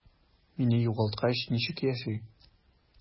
Мине югалткач, ничек яши?